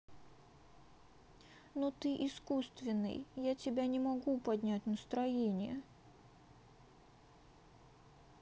но ты искусственный я тебя не могу поднять настроение